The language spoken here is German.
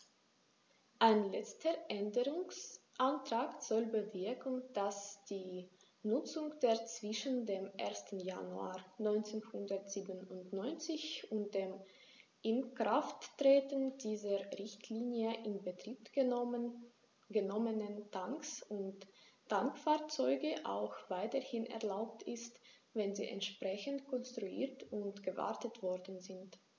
Ein letzter Änderungsantrag soll bewirken, dass die Nutzung der zwischen dem 1. Januar 1997 und dem Inkrafttreten dieser Richtlinie in Betrieb genommenen Tanks und Tankfahrzeuge auch weiterhin erlaubt ist, wenn sie entsprechend konstruiert und gewartet worden sind.